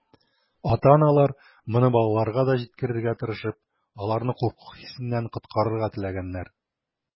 Ата-аналар, моны балаларга да җиткерергә тырышып, аларны курку хисеннән коткарырга теләгәннәр.